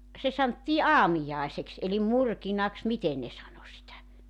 se sanottiin aamiaiseksi eli murkinaksi miten ne sanoi sitä